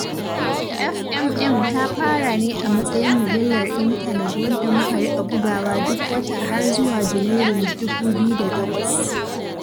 FMM ta fara ne a matsayin mujallar intanet, wadda muka riƙa bugawa duk wata har zuwa Junairun 2008.